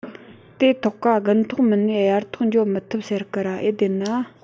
དེ ཐོག ག དགུན ཐོག མིན ནས དབྱར ཐོག འགྱོ མི ཐུབ ཟེར གི ར ཨེ བདེན ན